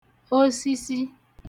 osisi